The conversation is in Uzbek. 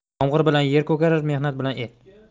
yomg'ir bilan yer ko'karar mehnat bilan el